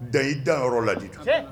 Da i da yɔrɔ ladi kan